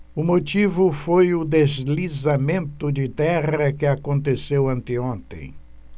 o motivo foi o deslizamento de terra que aconteceu anteontem